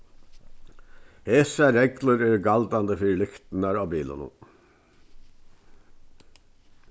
hesar reglur eru galdandi fyri lyktirnar á bilunum